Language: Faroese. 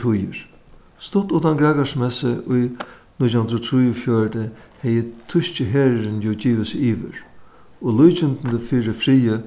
tíðir stutt uttan grækarismessu í nítjan hundrað og trýogfjøruti hevði týski herurin jú givið seg yvir og líkindini fyri friði